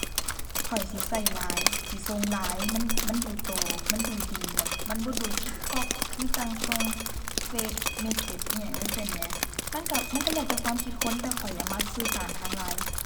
ข้อยสิใช้ LINE สิส่ง LINE มัน มันดูโต มันดูดีแบบ มันบ่ดูกิ๊กก๊อก คือจั่งส่งเฟซ เมสเซจ อิหยังจั่งซี้แหม มันใช้ มันใช้แล้วแต่ความคิดคนแต่ข้อยอะ มักสื่อสารทาง LINE